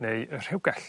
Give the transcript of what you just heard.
neu y rhewgell